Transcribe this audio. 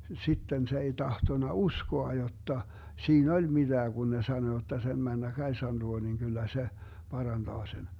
sitten se ei tahtonut uskoa jotta siinä oli mitään kun ne sanoi jotta sen mennä Kaisan luo niin kyllä se parantaa sen